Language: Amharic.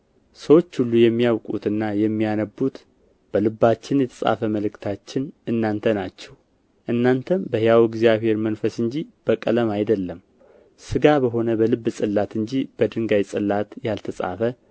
ሰዎች ሁሉ የሚያውቁትና የሚያነቡት በልባችን የተጻፈ መልእክታችን እናንተ ናችሁ እናንተም በሕያው እግዚአብሔር መንፈስ እንጂ በቀለም አይደለም ሥጋ በሆነ በልብ ጽላት እንጂ በድንጋይ ጽላት ያልተጻፈ